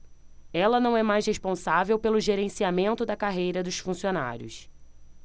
ela não é mais responsável pelo gerenciamento da carreira dos funcionários